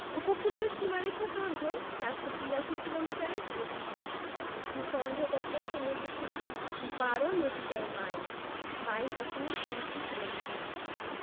উপকূলীয় সীমারেখার দৈর্ঘ্য ৪৮৩ কিলোমিটারের অধিক ভূখন্ডগত সমুদ্রসীমা ১২ নটিক্যাল মাইল ২২ দশমিক দুই দুই কিলোমিটার